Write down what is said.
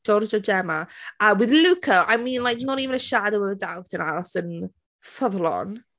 Jiorj a Gemma. A with Luca I mean, like, not even a shadow of a doubt yn aros yn, ffyddlon.